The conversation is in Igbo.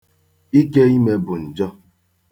Ike ime bụ njọ.